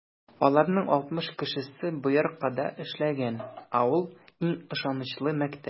Аларның алтмыш кешесе Бояркада эшләгән, ә ул - иң ышанычлы мәктәп.